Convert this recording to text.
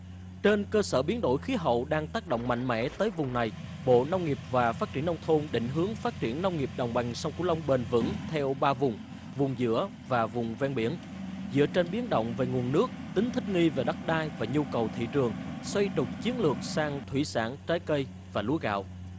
trên cơ sở biến đổi khí hậu đang tác động mạnh mẽ tới vùng này bộ nông nghiệp và phát triển nông thôn định hướng phát triển nông nghiệp đồng bằng sông cửu long bền vững theo ba vùng vùng giữa và vùng ven biển dựa trên biến động về nguồn nước tính thích nghi về đất đai và nhu cầu thị trường xoay trục chiến lược sang thủy sản trái cây và lúa gạo